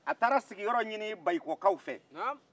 a taara sigiyɔrɔ ɲini bayikɔkaw fɛ